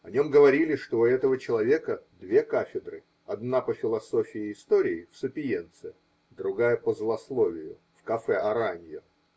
о нем говорили, что у этого человека две кафедры -- одна по философии истории в Сапиенце, другая по злословию в кафе Араньо.